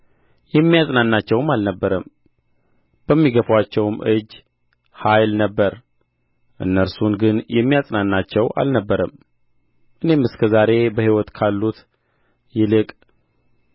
የሚያጽናናቸውም አልነበረም በሚገፉአቸውም እጅ ኃይል ነበረ እነርሱን ግን የሚያጽናናቸው አልነበረም እኔም እስከ ዛሬ በሕይወት ካሉት ይልቅ